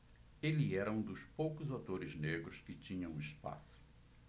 ele era um dos poucos atores negros que tinham espaço